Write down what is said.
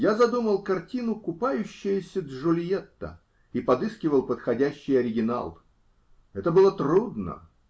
Я задумал картину "Купающаяся Джульетта" и подыскивал подходящий оригинал. Это было трудно.